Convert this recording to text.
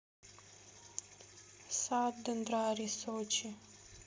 сад дендрарий сочи